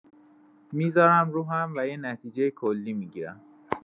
می‌زارم رو هم و یه نتیجه کلی می‌گیرم